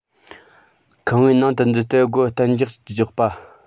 ཁང པའི ནང དུ འཛུལ ཏེ སྒོ གཏན རྒྱག པ